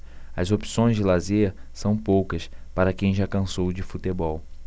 as opções de lazer são poucas para quem já cansou de futebol